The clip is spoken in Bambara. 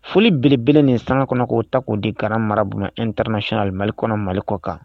Foli berebelenen sankɔnɔko ta o dekara marabu in tarsɲɛli mali kɔnɔ mali kɔ kan